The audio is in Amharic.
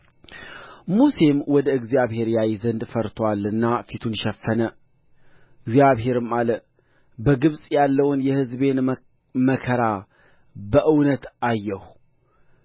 ሙሴም ወደ እግዚአብሔር ያይ ዘንድ ፈርቶአልና ፊቱን ሸፈነ እግዚአብሔርም አለ በግብፅ ያለውን የሕዝቤን መከራ በእውነት አየሁ